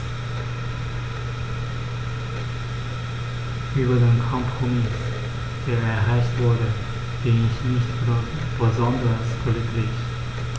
Über den Kompromiss, der erreicht wurde, bin ich nicht besonders glücklich.